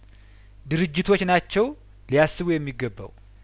ድርጅቶች ናቸው ሊያስቡ የሚገባው